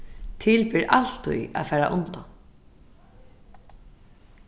til ber altíð at fara undan